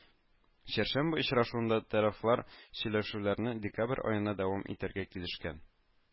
Чәршәмбе очрашуында тарафлар сөйләшүләрне декабрь аена дәвам итергә килешкән